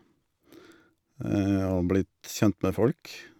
Og blitt kjent med folk.